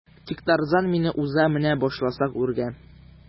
Тик Тарзан мине уза менә башласак үргә.